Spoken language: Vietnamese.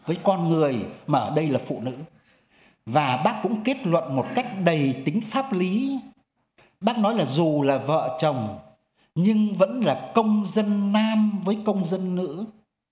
với con người mà ở đây là phụ nữ và bác cũng kết luận một cách đầy tính pháp lý bác nói là dù là vợ chồng nhưng vẫn là công dân nam với công dân nữ